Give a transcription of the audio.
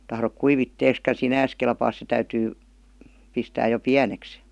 tahdo kuivitteeksikaan sinänsä kelpaa se täytyy pistää jo pieneksi